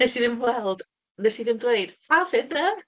Wnes i ddim weld, wnes i ddim dweud, "A finnau."